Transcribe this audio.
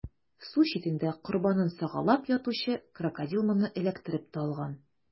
Су читендә корбанын сагалап ятучы Крокодил моны эләктереп тә алган.